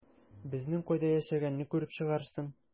Безнең кайда яшәгәнне күреп чыгарсың...